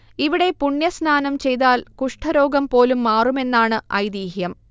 ഇവിടെ പുണ്യസ്നാനം ചെയ്താൽ കുഷ്ഠരോഗം പോലും മാറുമെന്നാണ് ഐതീഹ്യം